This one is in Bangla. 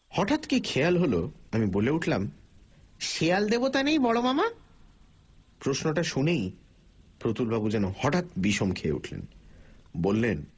হঠাৎ কী খেয়াল হল আমি বলে উঠলাম শেয়াল দেবতা নেই বড় মামা প্রশ্নটা শুনেই প্রতুলবাবু যেন হঠাৎ বিষম খেয়ে উঠলেন বললেন